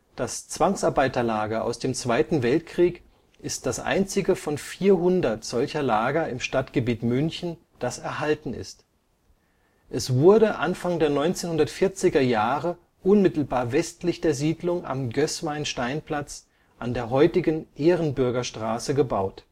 Das Zwangsarbeiterlager aus dem Zweiten Weltkrieg ist das einzige von 400 solcher Lager im Stadtgebiet München, das erhalten ist. Es wurde Anfang der 1940er Jahre unmittelbar westlich der Siedlung am Gößweinsteinplatz an der heutigen Ehrenbürgstraße gebaut